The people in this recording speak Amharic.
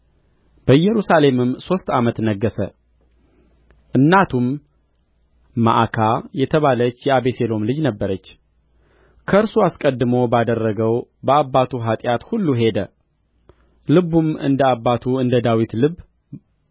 በኢየሩሳሌምም ሦስት ዓመት ነገሠ እናቱም መዓካ የተባለች የአቤሴሎም ልጅ ነበረች ከእርሱ አስቀድሞ ባደረገው በአባቱ ኃጢአት ሁሉ ሄደ ልቡም እንደ አባቱ እንደ ዳዊት ልብ